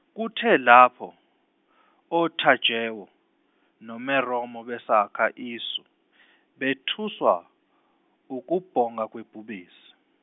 kuthe lapho oTajewo noMeromo besakha isu , bethuswa ukubhonga kwebhubesi.